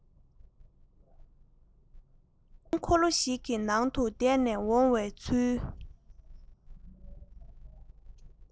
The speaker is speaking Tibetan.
འདུད འཐེན འཁོར ལོ ཞིག གི ནང དུ བསྡད ནས འོང བའི ཚུལ